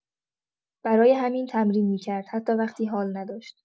برای همین تمرین می‌کرد، حتی وقتی حال نداشت.